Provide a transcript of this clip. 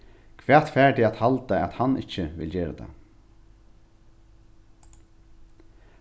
hvat fær teg at halda at hann ikki vil gera tað